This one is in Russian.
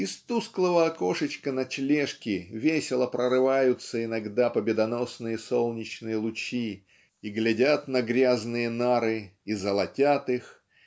Из тусклого окошечка ночлежки весело прорываются иногда победоносные солнечные лучи и глядят на грязные нары и золотят их